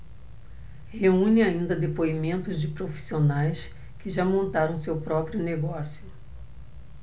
reúne ainda depoimentos de profissionais que já montaram seu próprio negócio